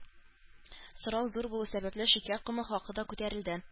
Сорау зур булу сәбәпле, шикәр комы хакы да күтәрелде